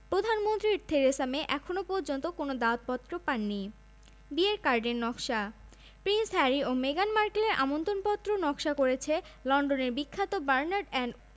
প্রধানমন্ত্রী Theresa May এখন পর্যন্ত কোনো দাওয়াতপত্র পাননি বিয়ের কার্ডের নকশা প্রিন্স হ্যারি ও মেগান মার্কেলের আমন্ত্রণপত্র নকশা করছে লন্ডনের বিখ্যাত বার্নার্ড অ্যান্ড